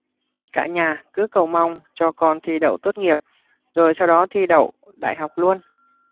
cả nhà cứ cầu mong cho con thi đậu tốt nghiệp rồi sau đó thi đậu đại học luôn